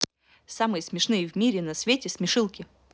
самые смешные в мире на свете смешилки